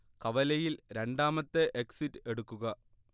കവലയിൽ രണ്ടാമത്തെ എക്സിറ്റ് എടുക്കുക